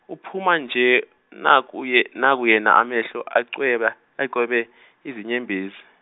uphuma nje nakuye- nakuyena amehlo acweba- acwebe izinyembezi.